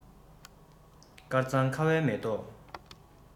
དཀར གཙང ཁ བའི མེ ཏོག